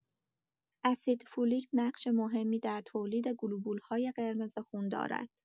اسیدفولیک نقش مهمی در تولید گلبول‌های قرمز خون دارد.